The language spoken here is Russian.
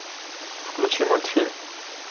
включи мультфильм